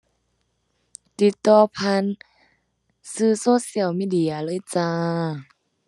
ติดต่อผ่านสื่อ social media เลยจ้า